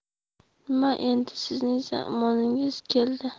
mana endi sizning zamoningiz keldi